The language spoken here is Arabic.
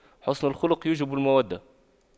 حُسْنُ الخلق يوجب المودة